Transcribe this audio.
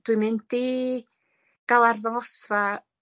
Dwi'n mynd i ga'l arddosfa